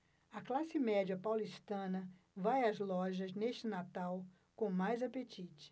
a classe média paulistana vai às lojas neste natal com mais apetite